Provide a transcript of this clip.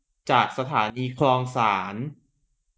จากสถานีคลองสาน